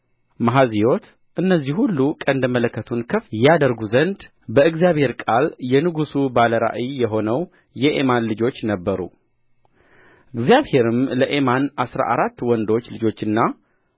መሐዝዮት እነዚህ ሁሉ ቀንደ መለከቱን ከፍ ያደርጉ ዘንድ በእግዚአብሔር ቃል የንጉሡ ባለ ራእይ የሆነው የኤማን ልጆች ነበሩ እግዚአብሔርም ለኤማን አሥራ አራት ወንዶች ልጆችንና